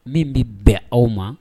Min bi bɛn aw ma.